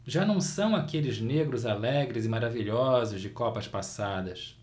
já não são aqueles negros alegres e maravilhosos de copas passadas